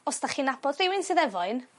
os 'dach chi'n nabod rhywun sydd efo un